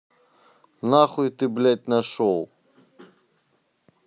нахуй ты блядь нашел